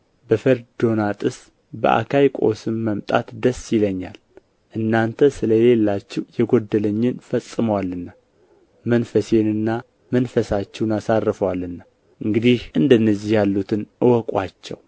በፈርዶናጥስ በአካይቆስም መምጣት ደስ ይለኛል እናንተ ስለሌላችሁ የጎደለኝን ፈጽመዋልና መንፈሴንና መንፈሳችሁን አሳርፈዋልና እንግዲህ እንደነዚህ ያሉትን እወቁአቸው